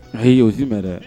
Ayi osi mɛn dɛ